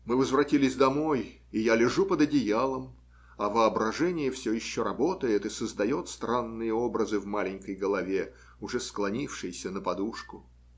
Мы возвратились домой, и я лежу под одеялом, а воображение все еще работает и создает странные образы в маленькой голове, уже склонившейся на подушку.